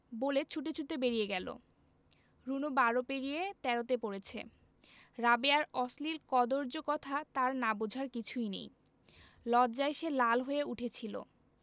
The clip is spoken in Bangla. বলে ছুটতে ছুটতে বেরিয়ে গেল রুনু বারো পেরিয়ে তেরোতে পড়েছে রাবেয়ার অশ্লীল কদৰ্য কথা তার না বুঝার কিছুই নেই লজ্জায় সে লাল হয়ে উঠেছিলো